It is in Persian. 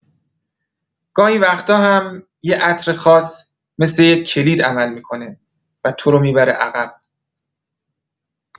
گاهی وقتا هم یه عطر خاص مثل یه کلید عمل می‌کنه و تو رو می‌بره عقب.